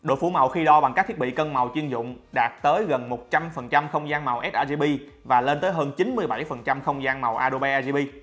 độ phủ màu khi đo bằng các thiết bị cân màu chuyên dụng đạt tới gần phần trăm không gian màu srgb và lên tới hơn phần trăm không gian màu adobe rgb